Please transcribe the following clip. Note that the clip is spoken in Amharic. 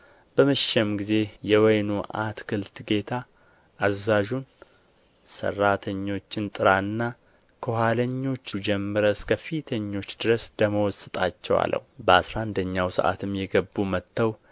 በመሸም ጊዜ የወይኑ አትክልት ጌታ አዛዡን ሠራተኞችን ጥራና ከኋለኞች ጀምረህ እስከ ፊተኞች ድረስ ደመወዝ ስጣቸው አለው በአሥራ አንደኛው ሰዓትም የገቡ መጥተው